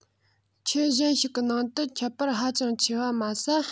ཁྱུ གཞན ཞིག གི ནང དུ ཁྱད པར ཧ ཅང ཆེ བ མ ཟད